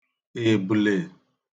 ebəle